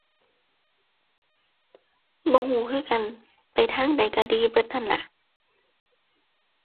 บ่รู้คือกัน ไปทางใดรู้ดีเบิดหั้นล่ะ